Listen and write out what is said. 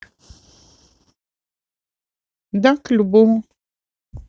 да к любому